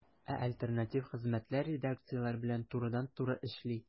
Ә альтернатив хезмәтләр редакцияләр белән турыдан-туры эшли.